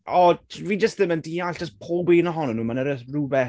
O, fi jyst ddim yn deall, jyst pob un ohonyn nhw, ma' 'na jyst rhywbeth...